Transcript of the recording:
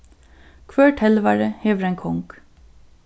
hvør telvari hevur ein kong